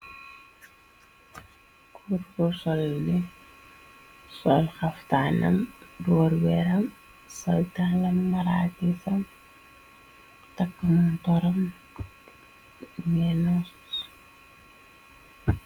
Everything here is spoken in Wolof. Cuutkur soll ni sol xaftanam door weeram sawtaala maraatifam takkamon toram neno.